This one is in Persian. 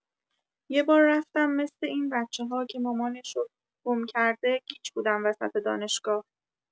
یه بار رفتم مثه این بچه‌ها که مامانشو گم‌کرده، گیج بودم وسط دانشگاه!